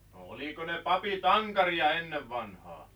no oliko ne papit ankaria ennen vanhaan